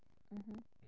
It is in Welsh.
M-hm.